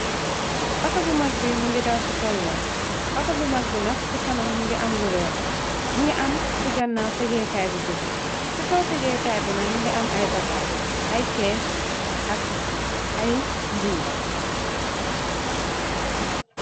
Auto bu mag bi mi ngi daw ci kaw yoon. Auto bu mag bi nag ci kanam mu ngi am lu weex. Mi ngi am ci gannaaw tégéekaay bu gudd. Ci kaw tegékaay bi nag mi ngi am ay bakaas ay cées ak ay mbuos.